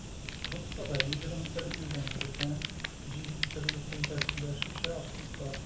Труппада - 21 илдән килгән, җиде төрле телдә сөйләшүче артистлар.